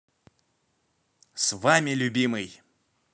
с вами любимый